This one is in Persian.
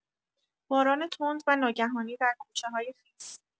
باران تند و ناگهانی در کوچه‌های خیس